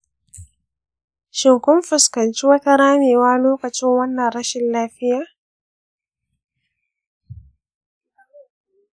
shin kun fuskanci wata ramewa lokacin wannan rashin lafiyar?